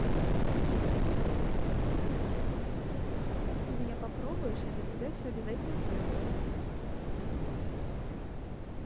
ты меня попробуешь я для тебя все обязательно сделаю